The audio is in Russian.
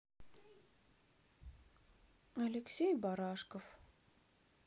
алексей барашков